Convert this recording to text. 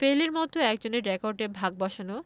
পেলের মতো একজনের রেকর্ডে ভাগ বসানো